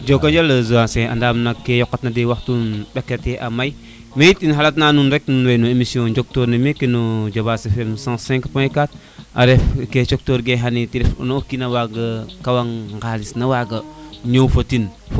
jokonjal Zancier andam nak ke yokat na te waxtu ɓekate a may teyit im xalat na nuun rek no emission njoktoor ne meke no joafas Fm 105 point 4 a ref ke cokorke xani te ref nu kino wg kawan ŋalis na waga ñow foten